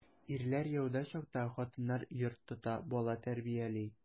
Ирләр яуда чакта хатыннар йорт тота, бала тәрбияли.